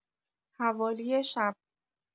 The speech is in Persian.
حوالی شب